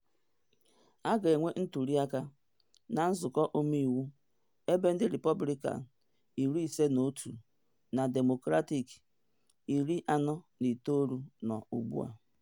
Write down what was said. A ga-enwe ntuli aka na Nzụkọ Ọmeiwu, ebe ndị Repọblikan 51 na Demokrat 49 nọ ugbu a.